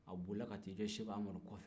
a bolila ka t'i jɔ seko amadu kɔfɛ